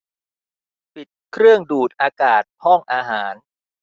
ปิดเครื่องดูดอากาศห้องอาหาร